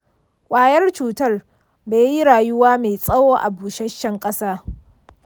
kwayar cutar bayi rayuwa mai tsawo a busheshen kasa.